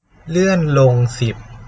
เลื่อนลงสิบ